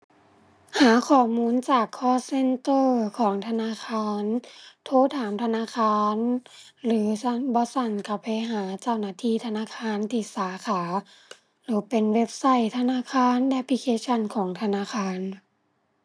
หาข้อมูลจาก call center ของธนาคาร โทรถามธนาคาร หรือซั้น บ่ซั้นก็ไปหาเจ้าหน้าที่ธนาคารที่สาขา หรือเป็นเว็บไซต์ธนาคาร แอปพลิเคชันของธนาคาร